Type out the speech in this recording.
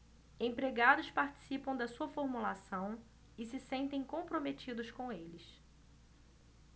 empregados participam da sua formulação e se sentem comprometidos com eles